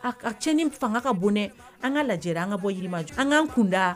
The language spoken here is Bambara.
A a tiɲɛni fanga ka bon dɛ an ka lajɛ dɛ an ka bɔ Yirimajɔ an ka kun da